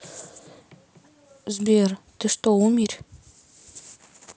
сбер ты что умерь